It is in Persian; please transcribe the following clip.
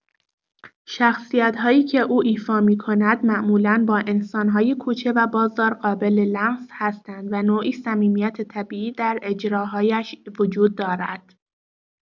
شخصیت‌هایی که او ایفا می‌کند معمولا با انسان‌های کوچه و بازار قابل‌لمس هستند و نوعی صمیمیت طبیعی در اجراهایش وجود دارد.